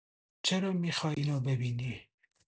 چرا میخوای اینو ببینی؟